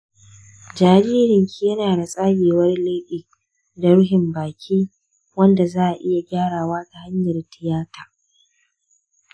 jaririnki yana da tsagewar leɓe da rufin baki wanda za a iya gyarawa ta hanyar tiyata.